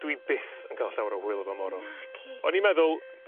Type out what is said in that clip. Dwi byth yn ga'l llawer o hwyl efo moron. Naci? O'n i meddwl